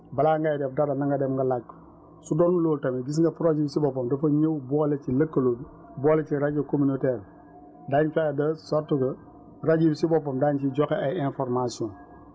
balaa ngay def dara nanga dem nga laaj ko su doon loolu tamit gis nga projet bi si boppam dafa ñëw boole ci lëkkaloo bi boole ci rajo communautaires daañu fexe de sorte que rajo yi si boppam daañu si joxe ay informations